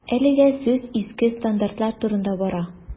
Әлегә сүз иске стандартлар турында бара.